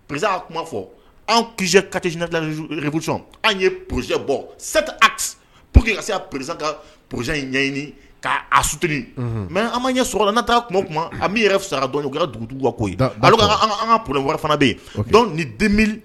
P fɔ kiz katesɔn anw ye pz bɔ p que perez ka pz in ɲɛɲini k' a sut mɛ an ma ɲɛ sola na taa kuma kuma a bɛ yɛrɛ sara dɔn kɛra dugu ko ka p wara fana bɛ yen ni